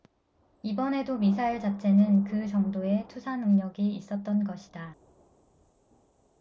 이번에도 미사일 자체는 그 정도의 투사능력이 있었던 것이다